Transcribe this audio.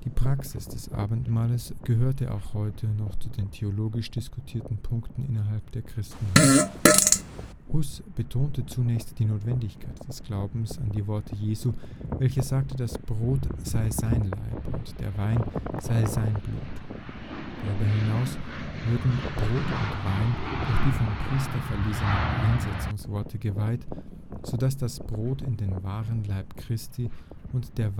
Praxis des Abendmahls gehört noch immer zu den theologisch diskutierten Punkten innerhalb der Christenheit. Hus betonte zunächst die Notwendigkeit des Glaubens an die Worte Jesu, welcher sagte, das Brot sei sein Leib und der Wein sei sein Blut. Darüber hinaus würden Brot und Wein durch die vom Priester verlesenen Einsetzungsworte geweiht, so dass das Brot in den wahren Leib Christi und der